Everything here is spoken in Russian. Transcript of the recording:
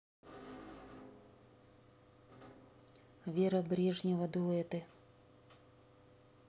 вера брежнева дуэты